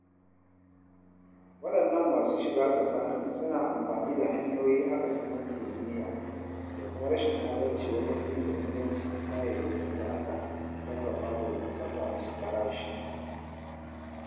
Waɗannan masu shiga tsakanin suna amfani da hanyoyi akasin na kimiyya da kuma rashin adalci wajen yanke ingancin kayayyakin da aka sarrafa domin saka musu farashi.